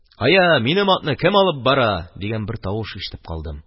«кая, минем атны кем алып бара?» дигән бер тавыш ишетеп калдым.